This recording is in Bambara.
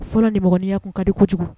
Fɔlɔ niinya kun ka di kojugu